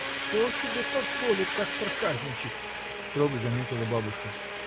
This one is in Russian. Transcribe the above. — Кто тебе позволит так проказничать? — строго заметила бабушка.